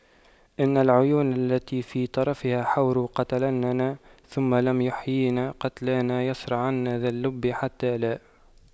إن العيون التي في طرفها حور قتلننا ثم لم يحيين قتلانا يَصرَعْنَ ذا اللب حتى لا